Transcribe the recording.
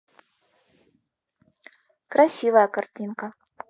красивая картинка